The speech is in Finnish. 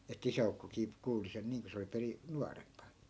että isäukkokin kuuli sen niin kun se oli -- nuorempi